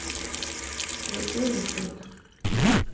другой анекдот